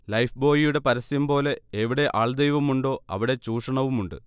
ലൈഫ്ബോയിയുടെ പരസ്യംപോലെ എവിടെ ആൾദൈവമുണ്ടോ അവിടെ ചൂഷണവുമുണ്ട്